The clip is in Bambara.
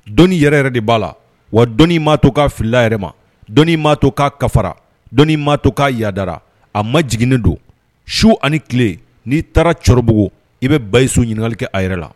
Dɔnni yɛrɛ yɛrɛ de b'a la , wa dɔnni m'a to k'a filila a yɛrɛ man, dɔnni m'a to k'a kafara, dɔnni maa to k'a yaadara, a majiginnen don. Su ani tile, n'i taara Cɛrɔbugu i bɛ Bayisu ɲininkali kɛ a yɛrɛ la.